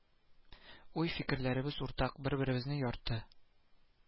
Уй-фикерләребез уртак, бер-беребезне ярты